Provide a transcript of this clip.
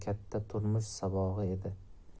katta turmush sabog'i edi